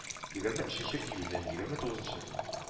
Егерме өченче июньнән егерме тугызынчы